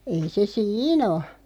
ei se siinä ole